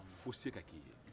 fo se ka k'i ye